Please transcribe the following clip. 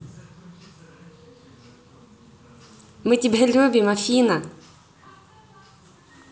мы тебя любим афина